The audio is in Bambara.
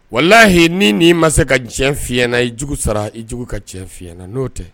Wala layi ni n nii ma se ka diɲɛ fi na i jugu sara i ka diɲɛ fɲɛna na n'o tɛ